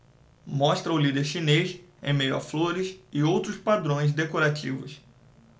mostra o líder chinês em meio a flores e outros padrões decorativos